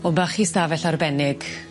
O ma' chi stafell arbennig.